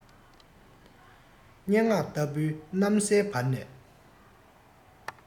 སྙན ངག ལྟ བུའི གནམ སའི བར ནས